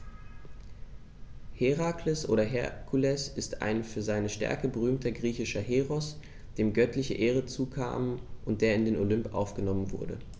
Herakles oder Herkules ist ein für seine Stärke berühmter griechischer Heros, dem göttliche Ehren zukamen und der in den Olymp aufgenommen wurde.